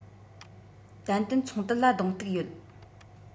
ཏན ཏན ཚོང དུད ལ གདོང གཏུག ཡོད